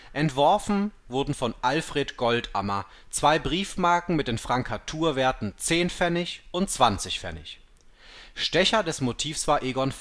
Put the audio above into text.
Entworfen wurden von Alfred Goldammer zwei Briefmarken mit den Frankaturwerten 10 Pfennig und 20 Pfennig. Stecher des Motivs war Egon